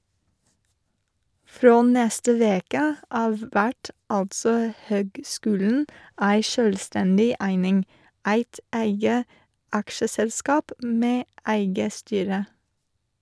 Frå neste veke av vert altså høgskulen ei sjølvstendig eining, eit eige aksjeselskap med eige styre.